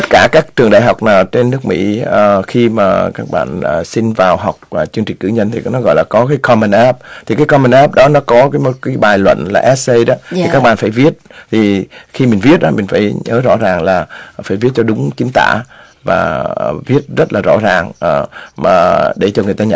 tất cả các trường đại học nào trên nước mỹ ờ khi mà ờ các bạn xin vào học à chương trình cử nhân thì nó gọi là có cái con mừn áp thì cái con mừn áp đó nó có cái một bài luận là ét sây đó thì các bạn phải viết thì khi mình viết mình phải nhớ rõ ràng là phải viết cho đúng chính tả và viết rất là rõ ràng mà mà để cho người ta nhận